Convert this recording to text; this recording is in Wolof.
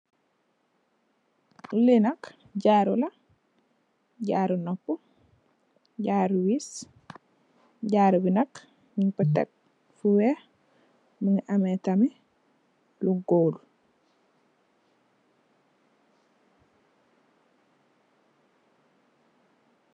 Li nak jaru la jaru nopuh, jaru wiis. Jaru bi nak ñing ko tèk fu wèèx mugii ameh tamit lu gool.